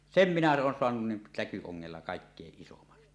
sen minä olen saanut niin täkyongella kaikkein isomman